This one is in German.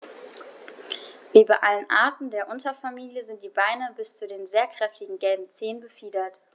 Wie bei allen Arten der Unterfamilie sind die Beine bis zu den sehr kräftigen gelben Zehen befiedert.